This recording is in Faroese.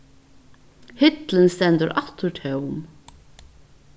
hillin stendur aftur tóm